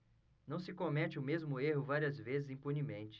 não se comete o mesmo erro várias vezes impunemente